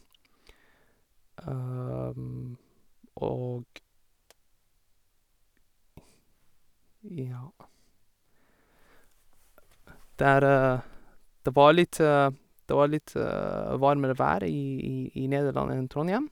Og, ja, det er det var litt det var litt varmere vær i i i Nederland enn Trondhjem.